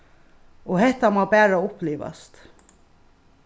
og hetta má bara upplivast